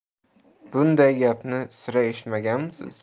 bunday gapni sira eshitganmisiz